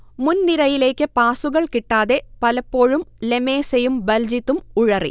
മുൻനിരയിലേക്ക് പാസുകൾ കിട്ടാതെ പലപ്പോഴും ലെമേസയും ബൽജിതും ഉഴറി